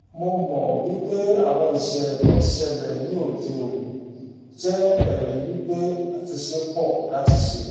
Mo mọ̀ wípé àwọn ìṣẹ̀lẹ̀ tí ó ń ṣẹlẹ̀ ní òde òní jẹ́ ẹ̀rí wípé àtúnṣe pọ̀ láti ṣe.